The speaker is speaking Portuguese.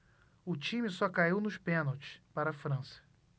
o time só caiu nos pênaltis para a frança